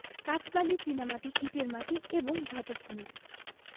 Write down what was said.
কাঁচবালি চীনামাটি ইটের মাটি এবং ধাতব খনিজ